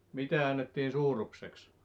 mitä annettiin suurukseksi